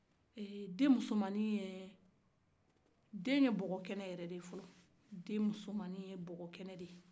denmusomani ye bɔgɔ kɛnɛ de ye